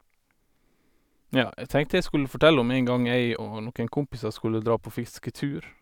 Ja, jeg tenkte jeg skulle fortelle om en gang jeg og noen kompiser skulle dra på fisketur.